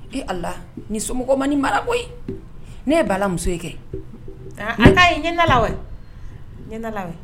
Ee ala ni somɔgɔ man ni mara ko ne ye balamuso ye kɛ aa an ka ɲɛnala